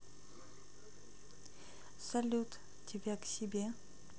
салют тебя к себе